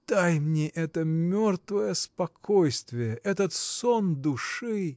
Дай мне это мертвое спокойствие, этот сон души.